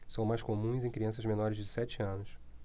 são mais comuns em crianças menores de sete anos